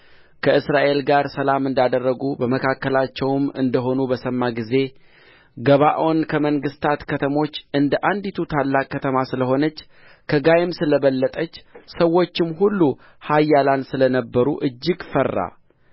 ከእስራኤል ጋር ሰላም እንዳደረጉ በመካከላቸውም እንደ ሆኑ በሰማ ጊዜ ገባዖን ከመንግሥታት ከተሞች እንደ አንዲቱ ታላቅ ከተማ ስለ ሆነች ከጋይም ስለ በለጠች ሰዎችዋም ሁሉ ኃያላን ስለ ነበሩ እጅግ ፈራ